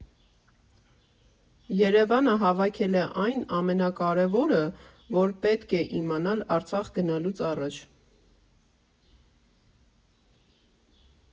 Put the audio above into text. ԵՐԵՎԱՆը հավաքել է այն ամենակարևորը, որ պետք է իմանալ Արցախ գնալուց առաջ։